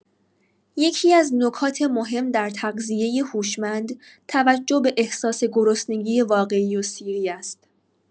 یکی‌از نکات مهم در تغذیه هوشمند توجه به احساس گرسنگی واقعی و سیری است.